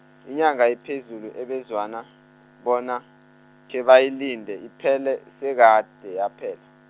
inyanga ephezulu ebezwana, bona, khebayilinde iphele, sekade yaphela.